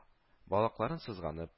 Балакларын сызганып